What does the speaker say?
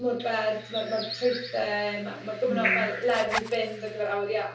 Mor bert, ma' ma'r traethau, ma' ma' gymaint o fel lefydd i fynd ar gyfer awyr iach.